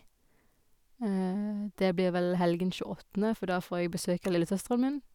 Det blir vel helgen tjueåttende, for da får jeg besøk av lillesøsteren min.